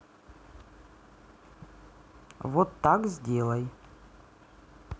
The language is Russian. вот так сделай